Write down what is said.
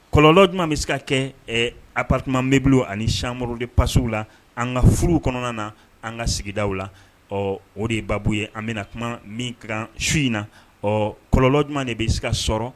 Kɔlɔlɔ jumɛn bɛ se ka kɛ apti bɛbili ani saro de pasiw la an ka furuw kɔnɔna na an ka sigidaw la ɔ o de ye baabu ye an bɛna kuma min kan su in na ɔ kɔlɔ duman de bɛ se ka sɔrɔ